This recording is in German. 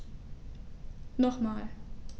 Nochmal.